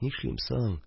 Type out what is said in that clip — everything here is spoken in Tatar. Нишлим соң